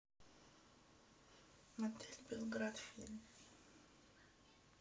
мотель белград фильм